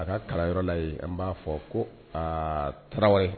A ka kalanyɔrɔla yen an b'a fɔ ko aa tarawele.